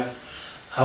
O ia.